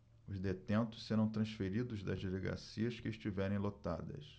os detentos serão transferidos das delegacias que estiverem lotadas